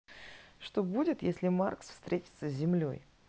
что будет если маркс встретится с землей